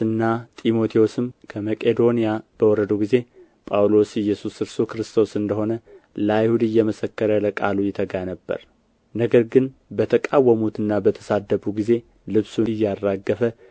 እና ጢሞቴዎስም ከመቄዶንያ በወረዱ ጊዜ ጳውሎስ ኢየሱስ እርሱ ክርስቶስ እንደ ሆነ ለአይሁድ እየመሰከረ ለቃሉ ይተጋ ነበር ነገር ግን በተቃወሙትና በተሳደቡ ጊዜ ልብሱን እያራገፈ